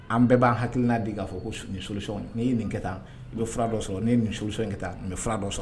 An bɛɛ b'an hakili n'a de k'a fɔ kosɔn ne ye nin kɛ tan u bɛ fara dɔ sɔrɔ ne ninsɔn in ka tan n bɛ fara dɔ sɔrɔ